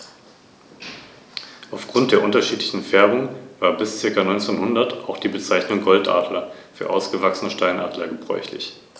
In den wenigen beobachteten Fällen wurden diese großen Beutetiere innerhalb von Sekunden getötet.